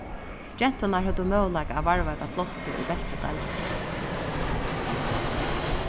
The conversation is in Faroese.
genturnar høvdu møguleika at varðveita plássið í bestu deildini